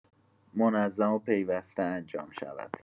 منظم و پیوسته انجام شود.